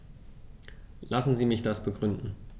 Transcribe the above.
Lassen Sie mich das begründen.